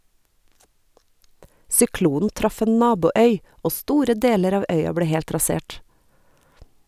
Syklonen traff en naboøy, og store deler av øya ble helt rasert.